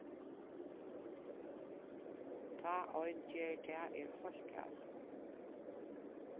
tá ein ger tað er heilt galið